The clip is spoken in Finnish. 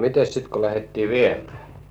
mitenkäs sitten kun lähdettiin viemään